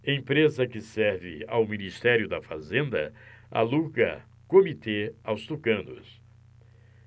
empresa que serve ao ministério da fazenda aluga comitê aos tucanos